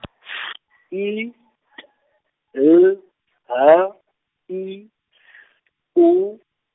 S I T L H I S O.